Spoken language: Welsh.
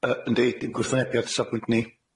Yy yndi, dim gwrthwynebiad o'n safbwynt ni.